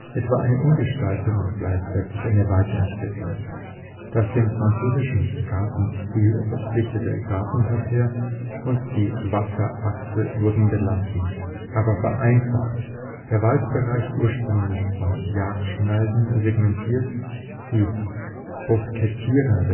Es war eine Umgestaltung und gleichzeitig eine Weiterentwicklung: Das dem französischen Gartenstil verpflichtete Gartenparterre und die Wasserachse wurden belassen, aber vereinfacht; der Waldbereich, ursprünglich von Jagdschneisen segmentiert, die boskettierten